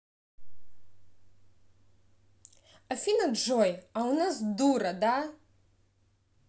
афина джой а у нас дура da